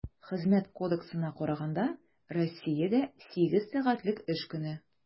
Хезмәт кодексына караганда, Россиядә сигез сәгатьлек эш көне.